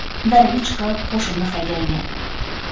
dalaga chiqib qo'shimni haydaymen